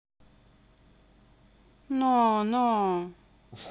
no no